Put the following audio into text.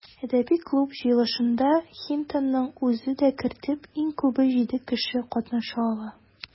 Әдәби клуб җыелышында, Хинтонның үзен дә кертеп, иң күбе җиде кеше катнаша ала.